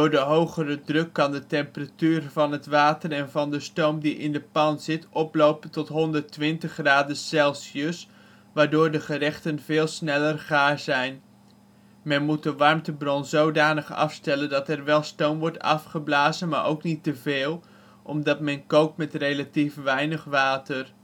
de hogere druk kan de temperatuur van het water en van de stoom die in de pan zit oplopen tot 120 ° Celsius, waardoor de gerechten veel sneller gaar zijn. Men moet de warmtebron zodanig afstellen dat er wel stoom wordt afgeblazen, maar ook niet teveel, omdat men kookt met relatief weinig water